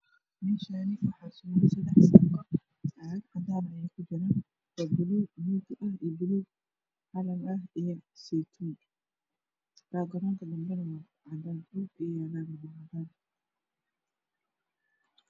Meshani waxa suran sadex sako cagag cadan ah ey kujiran baluug io balug calan ah io seytun bagaronka dabe waa cadan dhulka eey yalan waa cadan